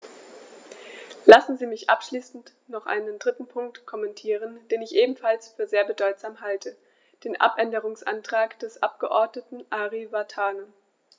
Lassen Sie mich abschließend noch einen dritten Punkt kommentieren, den ich ebenfalls für sehr bedeutsam halte: den Abänderungsantrag des Abgeordneten Ari Vatanen.